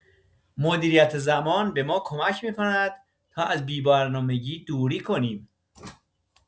مدیریت زمان به ما کمک می‌کند تا از بی‌برنامگی دوری کنیم.